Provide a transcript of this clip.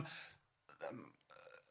yym yy